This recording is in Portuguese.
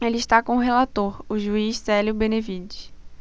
ele está com o relator o juiz célio benevides